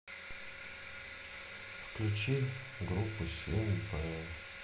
включи группу семь б